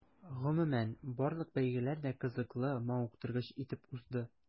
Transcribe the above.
Гомумән, барлык бәйгеләр дә кызыклы, мавыктыргыч итеп узды.